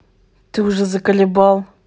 ты уже заколебал